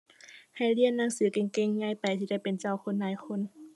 ให้เรียนหนังสือเก่งเก่ง ใหญ่ไปสิได้เป็นเจ้าคนนายคน